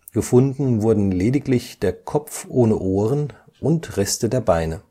Gefunden wurden lediglich der Kopf (ohne Ohren) und Reste der Beine